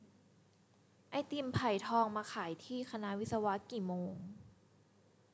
ไอติมไผ่ทองมาขายที่คณะวิศวะกี่โมง